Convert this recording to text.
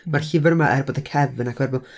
Mae'r llyfr yma, er bod y cefn, a gor- meddwl-